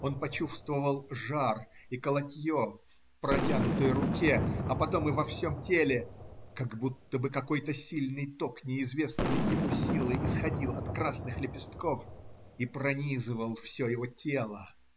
Он почувствовал жар и колотье в протянутой руке, а потом и во всем теле, как будто бы какой-то сильный ток неизвестной ему силы исходил от красных лепестков и пронизывал все его тело.